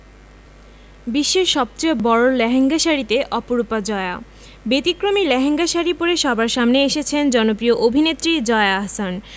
বিশ্বের সবচেয়ে বড় লেহেঙ্গা শাড়িতে অপরূপা জয়া ব্যতিক্রমী লেহেঙ্গা শাড়ি পরে সবার সামনে এসেছেন জনপ্রিয় অভিনেত্রী জয়া আহসান